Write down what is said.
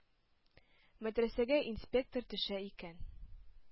Мәдрәсәгә инспектор төшә икән,